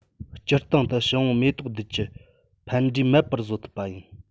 སྤྱིར བཏང དུ ཕྱི འོངས མེ ཏོག རྡུལ གྱི ཕན འབྲས མེད པར བཟོ ཐུབ པ ཡིན